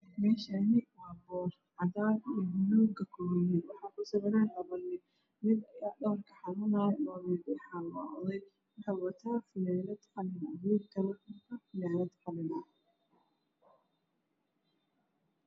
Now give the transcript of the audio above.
Meeshaan waa boor cadaan iyo buluug ah ka kooban waxaa kusawiran nin dhabarka xanuunayo waa oday waxuu wataa fanaanad qalin ah. Wiilkana waxuu wataa fanaanad qalin ah.